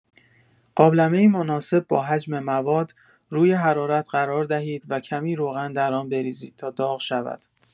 قابلمه‌ای مناسب با حجم مواد روی حرارت قرار دهید و کمی روغن در آن بریزید تا داغ شود.